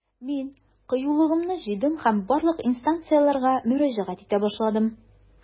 Мин кыюлыгымны җыйдым һәм барлык инстанцияләргә мөрәҗәгать итә башладым.